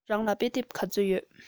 རང ལ དཔེ དེབ ག ཚོད ཡོད